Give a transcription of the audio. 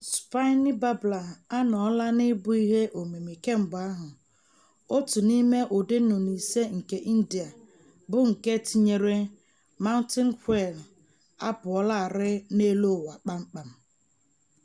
Spiny Babbler anọọla n'ịbụ ihe omimi kemgbe ahụ, otu n'ime ụdị nnụnụ ise nke India, bụ nke, tinyere Mountain Quail, apụọlarịị n'elu ụwa kpamkpam.